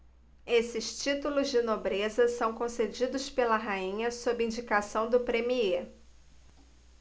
esses títulos de nobreza são concedidos pela rainha sob indicação do premiê